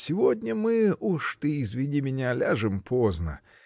сегодня мы, уж ты извини меня, ляжем поздно.